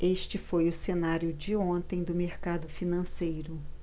este foi o cenário de ontem do mercado financeiro